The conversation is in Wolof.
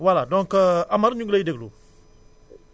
voilà donc Amar ñu ngi lay déglu